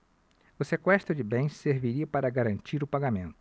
o sequestro de bens serviria para garantir o pagamento